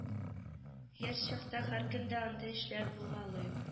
Яшь чакта һәркемдә андый эшләр булгалый